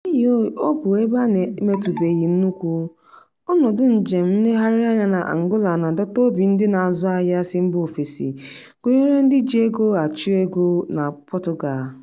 N'ihi ọ bụ ebe a na-emetubeghị nnukwu, ọnọdụ njem nleghari anya na Angola na-adota obi ndị ndị na-azụ ahịa si mba ofesi, gunyere ndị ji ego achị ego na Portugal.